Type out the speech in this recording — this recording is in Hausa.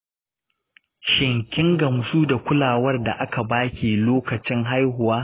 shin kin gamsu da kulawar da aka ba ki lokacin haihuwa?